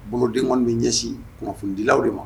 Boloden kɔni bɛ ɲɛsin kunnafonidilaw de ma